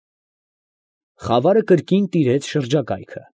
Խավարը կրկին տիրեց շրջակայքը։